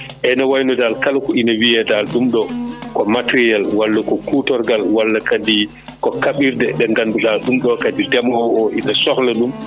eyyi no wayno dal kala ko ina wiye dal ɗum ɗo o matériel walla ko kutorgal walla kadi ko kaɓirɗe ɗe ngannduɗaa ɗum ɗo kadi ndemoowo o ina sohla ɗum